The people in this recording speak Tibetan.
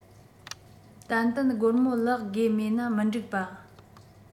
ཏན ཏན སྒོར མོ བརླག དགོས མེད ན མི འགྲིག པ